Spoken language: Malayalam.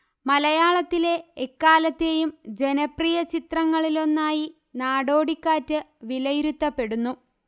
മലയാളത്തിലെ എക്കാലത്തെയും ജനപ്രിയ ചിത്രങ്ങളിലൊന്നായി നടോടിക്കാറ്റ് വിലയിരുത്തപ്പെടുന്നു